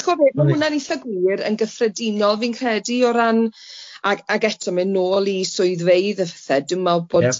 Chi'bod be ma' hwnna'n eitha gwir yn gyffredinol fi'n credu o ran ag ag eto mynd nôl i swyddfeydd a phethe, dwi'n me'l bod